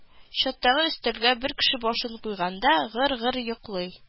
Чаттагы өстәлгә бер кеше башын куйган да гыр-гыр йоклый